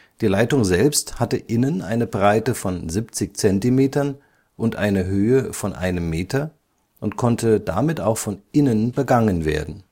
Die Leitung selbst hatte innen eine Breite von siebzig Zentimetern und eine Höhe von einem Meter und konnte damit auch von innen begangen werden